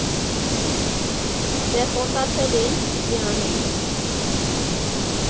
Դե խոստացել էինք՝ պիտի անեինք։